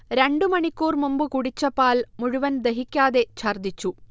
രണ്ടു മണിക്കൂർ മുമ്പ് കുടിച്ച പാൽ മുഴുവൻ ദഹിക്കാതെ ഛർദ്ദിച്ചു